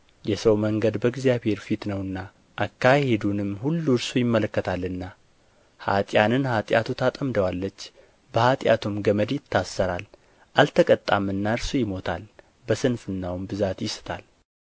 የሰው መንገድ በእግዚአብሔር ፊት ነውና አካሄዱንም ሁሉ እርሱ ይመለከታልና ኃጥኣንን ኃጢአቱ ታጠምደዋለች በኃጢአቱም ገመድ ይታሰራል አልተቀጣምና እርሱ ይሞታል በስንፍናውም ብዛት ይስታል